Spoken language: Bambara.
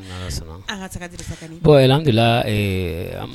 Ni Ala sɔnna ma. An ka taga Dirisa Kane. oui Alihamudulilaye , ɛɛ an